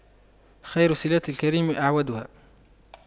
خير صِلاتِ الكريم أَعْوَدُها